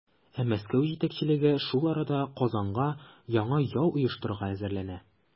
Ә Мәскәү җитәкчелеге шул арада Казанга яңа яу оештырырга әзерләнә.